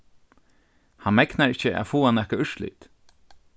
hann megnar ikki at fáa nakað úrslit